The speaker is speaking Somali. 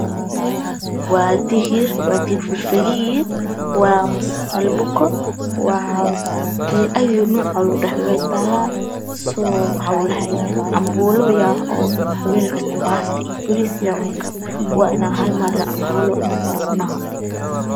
Waa digir falfaliir iyo salboko waa digir ayi nuuc way taala . Waxa ladhahay habeen kasta ayaa baasto iyo bariis cuni kara waa in habeen habeen canbuulo lugu tuurta.